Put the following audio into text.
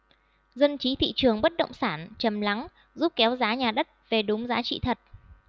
dân trí thị trường bất động sản trầm lắng giúp kéo giá nhà đất về đúng giá trị thật